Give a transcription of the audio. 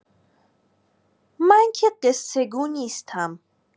من که قصه‌گو نیستم.